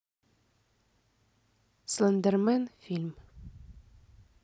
слендермен фильм